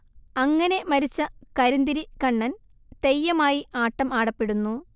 അങ്ങനെ മരിച്ച കരിന്തിരി കണ്ണൻ തെയ്യമായി ആട്ടം ആടപ്പെടുന്നു